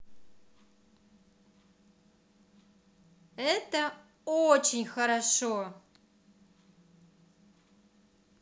это очень хорошо